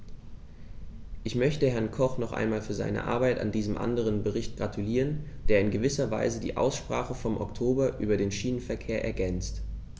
Ich möchte Herrn Koch noch einmal für seine Arbeit an diesem anderen Bericht gratulieren, der in gewisser Weise die Aussprache vom Oktober über den Schienenverkehr ergänzt.